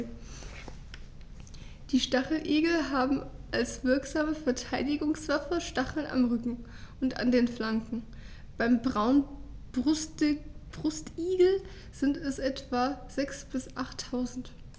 Die Stacheligel haben als wirksame Verteidigungswaffe Stacheln am Rücken und an den Flanken (beim Braunbrustigel sind es etwa sechs- bis achttausend).